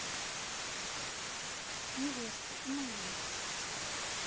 невеста и моя